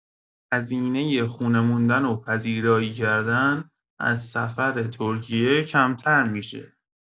هزینه خونه موندن و پذیرایی کردن از سفر ترکیه کمتر می‌شه!